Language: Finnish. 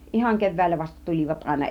ihan keväällä vasta tulivat aina